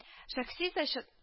Шәхси зачет